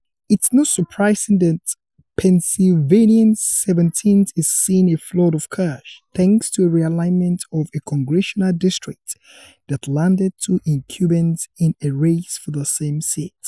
It's not surprising that Pennsylvania's 17th is seeing a flood of cash, thanks to a realignment of a congressional districts that landed two incumbents in a race for the same seat.